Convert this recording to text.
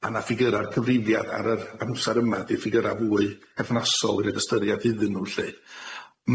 a ma' ffigyra'r cyfrifiad ar yr amsar yma di'r ffigyra fwy pyrthnasol i roid ystyried iddyn nw lly.